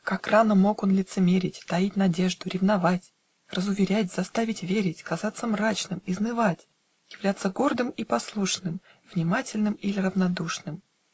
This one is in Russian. Как рано мог он лицемерить, Таить надежду, ревновать, Разуверять, заставить верить, Казаться мрачным, изнывать, Являться гордым и послушным, Внимательным иль равнодушным!